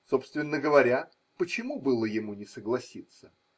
Собственно говоря, почему было ему не согласиться?